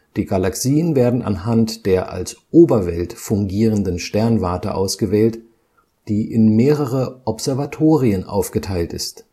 Die Galaxien werden anhand der als Oberwelt fungierenden Sternwarte ausgewählt, die in mehrere Observatorien aufgeteilt ist